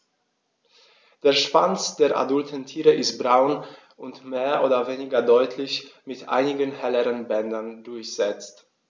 Der Schwanz der adulten Tiere ist braun und mehr oder weniger deutlich mit einigen helleren Bändern durchsetzt.